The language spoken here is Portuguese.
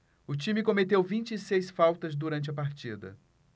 o time cometeu vinte e seis faltas durante a partida